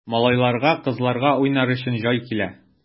Малайларга, кызларга уйнар өчен җай килә!